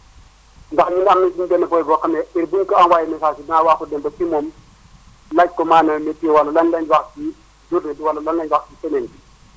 ndax ñu am nañu suñu benn boy boo xam ne heure bu ñu ko envoyé message dinaa waaxu dem ba ci moom laaj ko maanaam mété si wàllum lan lañ wax fii journée bi wala lan lañ wax si semaine bi